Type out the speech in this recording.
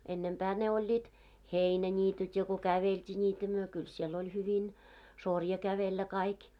ennempää ne olivat heinäniityt ja kun käveltiin niitä me kyllä siellä hyvin sorja kävellä kaikki